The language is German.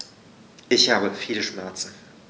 Ich habe viele Schmerzen.